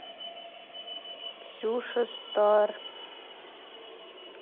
ксюша стар